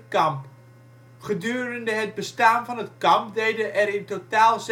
kamp. Gedurende het bestaan van het kamp deden er in totaal